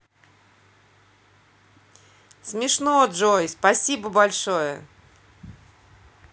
смешно джой спасибо большое